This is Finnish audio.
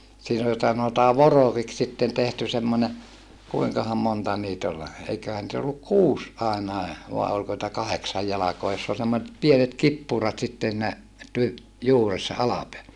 siinä oli sanotaan vorokiksi sitten tehty semmoinen kuinkahan monta niitä oli eiköhän niitä ollut kuusi ainakin vai oliko niitä kahdeksan jalkaa jossa oli semmoiset pienet kippurat sitten siinä - juuressa -